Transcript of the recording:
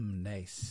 Mm, neis.